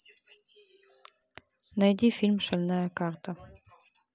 найди фильм шальная карта